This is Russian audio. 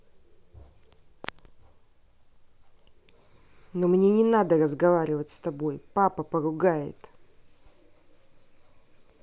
но мне не надо разговаривать с тобой папа поругает